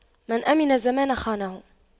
من أَمِنَ الزمان خانه